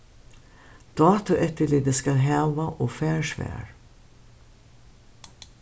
dátueftirlitið skal hava og fær svar